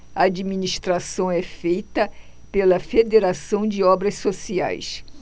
a administração é feita pela fos federação de obras sociais